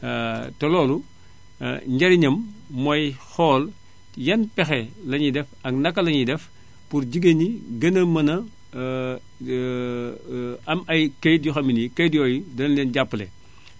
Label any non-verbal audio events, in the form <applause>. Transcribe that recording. <hesitation> te loolu <hesitation> njariñam mooy xool yan pexe la ñuy def ak naka la ñuy def pour jigéen ñi gën a mën <hesitation> am ay kayit yoo xam ne nii kayit yooyu dina leen jàppale